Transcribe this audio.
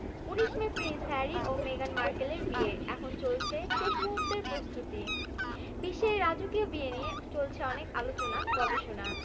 কালো রঙের সাথে মেরুনসহ বিভিন্ন রঙের ডিজাইনের সাথে ঐশ্বরিয়ার সাজ সজ্জাটি সাজানো ছিল কান রাণী সহজেই রেড কার্পেটে